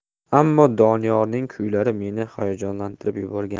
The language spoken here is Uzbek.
ammo doniyorning kuylari meni hayajonlantirib yuborgandi